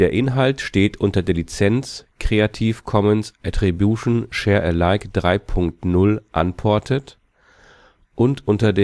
Inhalt steht unter der Lizenz Creative Commons Attribution Share Alike 3 Punkt 0 Unported und unter